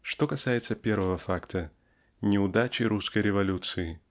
Что касается первого факта -- неудачи русской революции